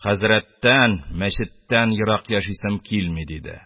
Хәзрәттән, мәчеттән ерак яшисем килми, - диде.